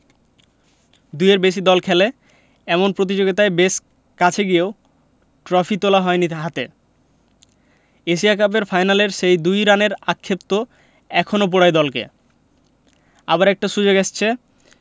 দুইয়ের বেশি দল খেলে এমন প্রতিযোগিতায় বেশ কাছে গিয়েও ট্রফি তোলা হয়নি হাতে এশিয়া কাপের ফাইনালের সেই ২ রানের আক্ষেপ তো এখনো পোড়ায় দলকে এবার একটা সুযোগ এসেছে